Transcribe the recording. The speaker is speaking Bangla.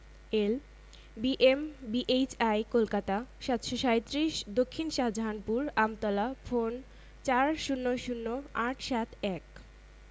হাওয়া আর সূর্য রাজি হয় তাদের মধ্যে যে পথিকে গায়ের চাদর খোলাতে পারবে তাকেই বেশি শক্তিমান হিসেবে ধার্য করা হবে